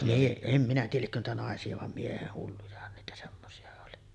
- en minä tiedä liekö niitä naisia vaan miehet hullujahan niitä semmoisia oli